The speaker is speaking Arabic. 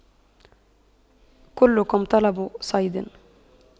كلكم طلب صيد